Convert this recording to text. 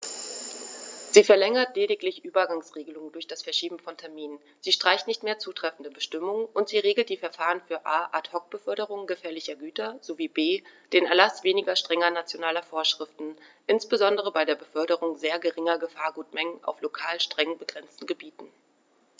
Sie verlängert lediglich Übergangsregeln durch das Verschieben von Terminen, sie streicht nicht mehr zutreffende Bestimmungen, und sie regelt die Verfahren für a) Ad hoc-Beförderungen gefährlicher Güter sowie b) den Erlaß weniger strenger nationaler Vorschriften, insbesondere bei der Beförderung sehr geringer Gefahrgutmengen auf lokal streng begrenzten Gebieten.